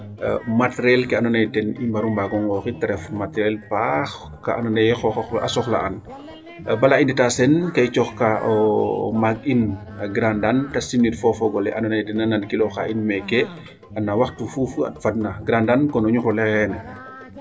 materiel ke andoona ye ten i mbaru mbaago nqooxit ta ref matériel paax kaa andoona yee xooxoox we a soxla'aan bala i ndetaa sen kaa i coox kaa o maag in a grand Ndane te simir fo' o fog ole andoona yee den na nangilooxaa in meeke no waxtu fuu fadna grand Ndane o ñuxir ole xay xeene.